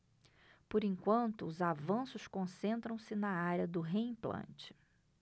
por enquanto os avanços concentram-se na área do reimplante